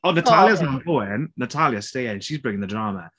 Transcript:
Oh Natalia's... sorry ...not going. Natalia's staying she's bringing the drama.